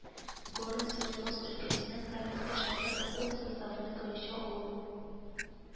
Горный Свердловск өлкәсенең Каменский шәһәр округы составына керүче авыл